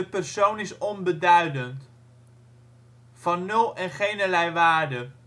persoon is onbeduidend. Van nul en generlei waarde